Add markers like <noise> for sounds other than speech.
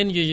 <hesitation> <hesitation>